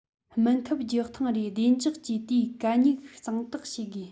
སྨན ཁབ རྒྱག ཐེངས རེར བདེ འཇགས ཀྱིས དེའི གད སྙིགས གཙང དག བྱེད དགོས